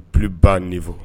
- -Plus bas niveau